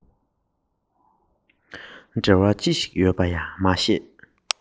ཞོགས པ ནི ཅི ལྟ བུར ཡིན པ བརྗེད འདུག